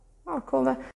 O, cŵl, 'de?